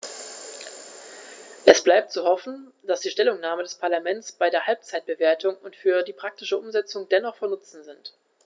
Es bleibt zu hoffen, dass die Stellungnahmen des Parlaments bei der Halbzeitbewertung und für die praktische Umsetzung dennoch von Nutzen sind.